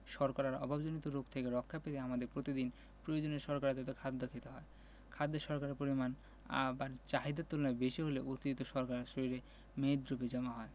শর্করার অভাবজনিত রোগ থেকে রক্ষা পেতে আমাদের প্রতিদিন প্রয়োজনীয় শর্করা জাতীয় খাদ্য খেতে হয় খাদ্যে শর্করার পরিমাণ আবার চাহিদার তুলনায় বেশি হলে অতিরিক্ত শর্করা শরীরে মেদরুপে জমা হয়